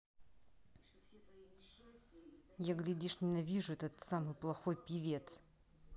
я глядишь ненавижу это самый плохой певец